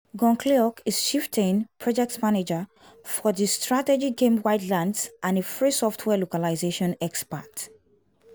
GunChleoc is Chieftain (project manager) for the strategy game Widelands and a free software localization expert.